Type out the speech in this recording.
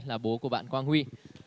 là bố của bạn quang huy